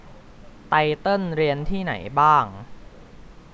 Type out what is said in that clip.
ไตเติ้ลเรียนที่ไหนบ้าง